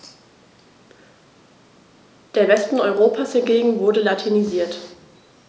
Der Westen Europas hingegen wurde latinisiert.